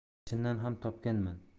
chindan ham topganman